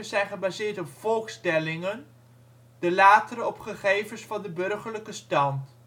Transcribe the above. volkstellingen, de latere op gegevens van de Burgerlijke Stand